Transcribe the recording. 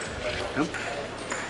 Iawn?